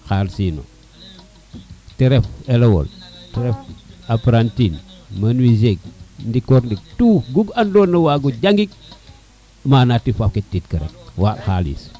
xalis teno te ref elewole te ref apprentie le menuisier ke ɗiko ɗik tout nu ando wago jangik mana tefarid ka rek waaɗ xalis